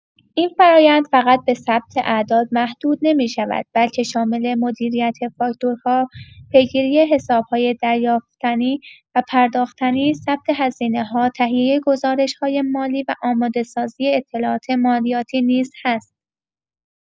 این فرآیند فقط به ثبت اعداد محدود نمی‌شود، بلکه شامل مدیریت فاکتورها، پیگیری حساب‌های دریافتنی و پرداختنی، ثبت هزینه‌ها، تهیه گزارش‌های مالی و آماده‌سازی اطلاعات مالیاتی نیز هست.